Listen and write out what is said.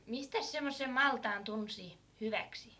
mistäs semmoisen maltaan tunsi hyväksi